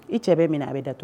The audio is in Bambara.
I cɛ bɛ minɛ a bɛ da to